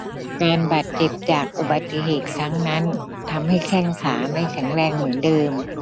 การบาดเจ็บจากอุบัติเหตุครั้งนั้นทำให้แข้งขาไม่แข็งแรงเหมือนเดิม